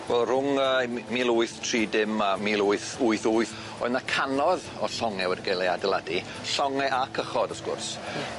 Wel rwng yy mi- mil wyth tri dim a mil wyth wyth wyth oedd 'na canoedd o llonge wedi g'el eu adeiladu llonge a cychod wrth gwrs. Ie.